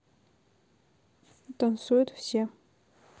танцуют все